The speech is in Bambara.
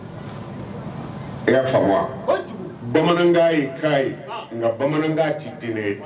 I y'a faamu wa bamanankan ye ka ye nka bamanankan ci t